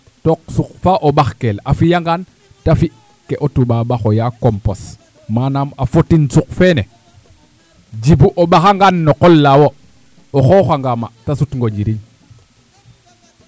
took suq fa o ɓaxkeel a fiyangaan te fi' ke o toubab a xooyaa compos manam a fotin suq feene Djiby o ɓaxangaan no qol la wo' o xooxanga ma' te sutong o njiriñ